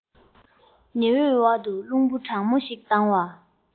ཉི འོད འོག ཏུ རླུང བུ གྲང མོ ཞིག ལྡང བ